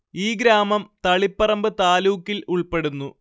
ഈ ഗ്രാമം തളിപ്പറമ്പ് താലൂക്കിൽ ഉൾപ്പെടുന്നു